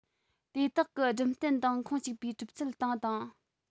དེ དག གི སྦྲུམ རྟེན དང ཁུངས གཅིག པའི གྲུབ ཚུལ སྟེང དང